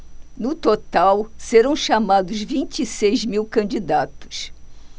no total serão chamados vinte e seis mil candidatos